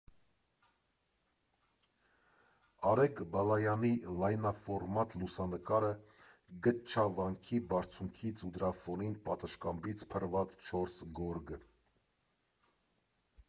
Արեգ Բալայանի լայնաֆորմատ լուսանկարը՝ Գտչավանքի բարձունքից, ու դրա ֆոնին պատշգամբից փռված չորս գորգ…